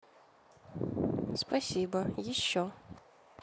спасибо еще